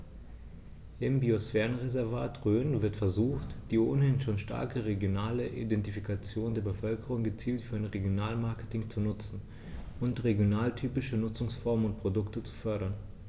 Im Biosphärenreservat Rhön wird versucht, die ohnehin schon starke regionale Identifikation der Bevölkerung gezielt für ein Regionalmarketing zu nutzen und regionaltypische Nutzungsformen und Produkte zu fördern.